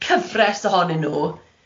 Cyfres ohonyn nhw ie.